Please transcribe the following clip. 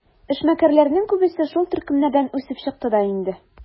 Эшмәкәрләрнең күбесе шул төркемнәрдән үсеп чыкты да инде.